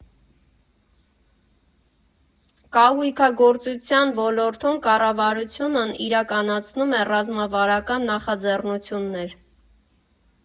Կահույքագործության ոլորտում Կառավարությունն իրականացնում է ռազմավարական նախաձեռնություններ։